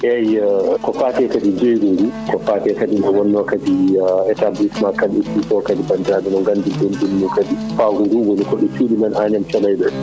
eyyi ko fate kadi jeygungu ko fate kadi nde wonno kadi établissement Kane et fils o kadi banndiraaɓe oɗon gandi joni ko ni kadi fawru ndu woni koɗo cuuɗimen Agname Thiodaye ɗo